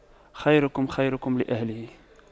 خيركم خيركم لأهله